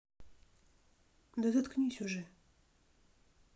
да заткнись уже